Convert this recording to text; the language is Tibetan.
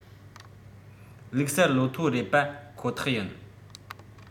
ལུགས གསར ལོ ཐོ རེད པ ཁོ ཐག ཡིན